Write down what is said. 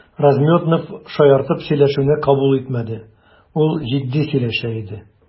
Размётнов шаяртып сөйләшүне кабул итмәде, ул җитди сөйләшә иде.